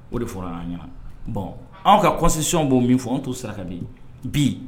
O de fɔra' ɲɔgɔn bɔn anw ka kɔsion b'o min fɔ an t'o saraka bi bi